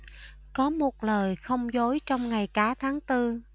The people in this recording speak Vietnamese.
có một lời không dối trong ngày cá tháng tư